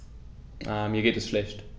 Mir geht es schlecht.